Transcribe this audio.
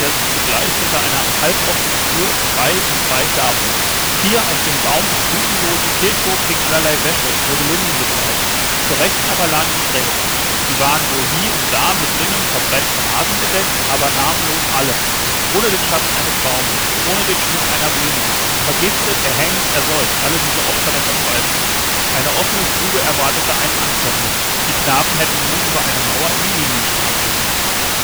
sich zugleich hinter einer halboffenen Thür frei und breit darbot. Hier auf dem baum - und blüthenlosen Kirchhof hing allerlei Wäsche, wurden Linnen gebleicht. Zur Rechten aber lagen die Gräber. Sie waren wohl hie und da mit dünnem verbrennten Rasen bedeckt, aber namenlos alle, ohne den Schatten eines Baumes, ohne den Schmuck einer Blume. Vergiftet, erhängt, ersäuft alle diese Opfer der Verzweiflung. Eine offene Grube erwartete einen Ankömmling... Die Knaben hätten nun über eine Mauer in die Linienstraße springen können. “Das Thürmchen